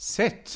Sut?